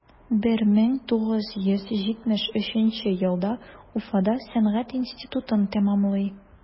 1973 елда уфада сәнгать институтын тәмамлый.